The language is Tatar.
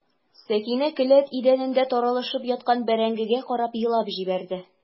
Сәкинә келәт идәнендә таралышып яткан бәрәңгегә карап елап җибәрде.